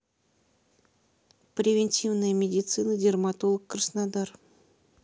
превентивная медицина дерматолог краснодар